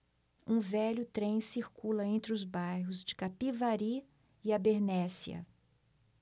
um velho trem circula entre os bairros de capivari e abernéssia